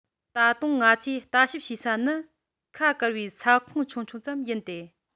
ད དུང ང ཚོས ལྟ ཞིབ བྱེད ས ནི ཁ བཀར བའི ས ཁོངས ཆུང ཆུང ཙམ ཡིན ཏེ